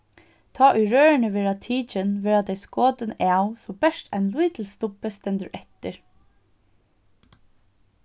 tá ið rørini verða tikin verða tey skotin av so bert ein lítil stubbi stendur eftir